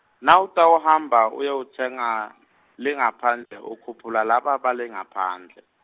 Nawutawuhamba uyowutsenga , lengaphandle ukhuphula laba bale ngaphandle.